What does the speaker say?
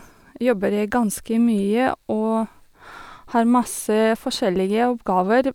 Jobber jeg ganske mye og har masse forskjellige oppgaver.